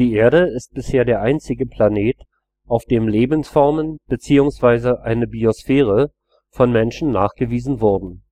Erde ist bisher der einzige Planet, auf dem Lebensformen bzw. eine Biosphäre von Menschen nachgewiesen wurden